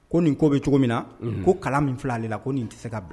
Ko nin ko bɛ cogo min na, unhun, ko kala min filɛ ale la ko nin tɛ se ka bila